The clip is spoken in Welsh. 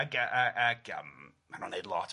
ag a a ag yym maen nhw'n neud lot